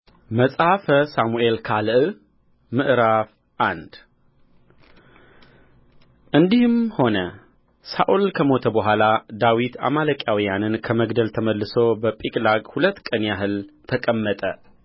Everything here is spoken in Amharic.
መጽሐፈ ሳሙኤል ካል ምዕራፍ አንድ እንዲህም ሆነ ሳኦል ከሞተ በኋላ ዳዊት አማሌቃውያንን ከመግደል ተመልሶ በጺቅላግ ሁለት ቀን ያህል ተቀመጠ